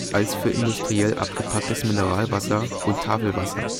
als für industriell abgepacktes Mineralwasser und Tafelwasser